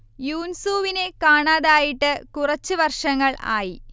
യൂൻസൂവിനെ കാണാതായിട്ട് കുറച്ചു വർഷങ്ങൾ ആയി